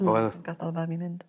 Oedd. Yn gadal y babi mynd.